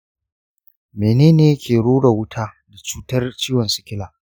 menene ke rura wuta da cutar ciwon sikila?